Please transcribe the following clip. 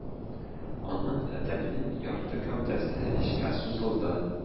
Аннан адәмнең ярты гәүдәсе эчкә сузылды